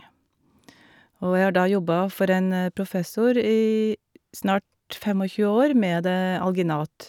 Og jeg har da jobba for en professor i snart fem og tjue år, med det alginat.